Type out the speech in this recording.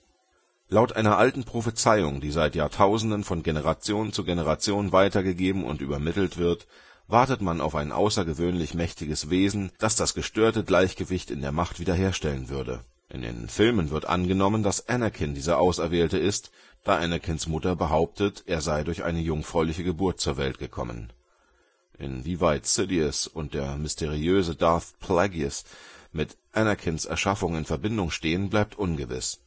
Laut einer alten Prophezeiung, die seit Jahrtausenden von Generation zu Generation weitergegeben und übermittelt wird, wartet man auf ein außergewöhnlich mächtiges Wesen, das das gestörte Gleichgewicht in der Macht wiederherstellen würde. In den Filmen wird angenommen, dass Anakin dieser Auserwählte ist, da Anakins Mutter behauptet, er sei durch eine jungfräuliche Geburt zur Welt gekommen. In wieweit Sidious und der mysteriöse Darth Plagueis mit Anakins Erschaffung in Verbindung stehen, bleibt ungewiss